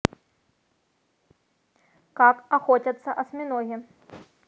как охотятся осьминоги